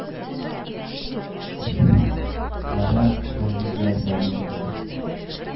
Данә гәзит белән тәэмин итү